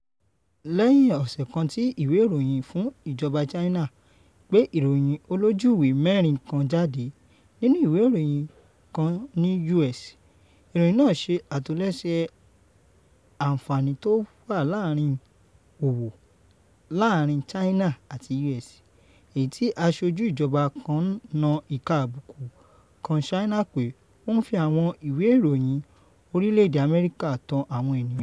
Lẹ́yìn ọ̀sẹ̀ kan tí ìwé ìròyìn fún ìjọba China gbé ìròyìn olójúùwé mẹ́rin kan jáde nínú ìwé ìròyìn kan ní US. Ìròyìn náà ṣe àtòólẹ̀ àǹfààní tó wà láàrin òwò láàrin China àti US, èyí tí aṣojú ìjọba náà na ìka àbùkù kan China pé ó ń fi àwọn ìwé ìròyìn orílẹ̀èdè Amẹ́ríkà tan àwọn ènìyàn.